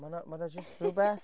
Mae 'na... ma' 'na rhywbeth.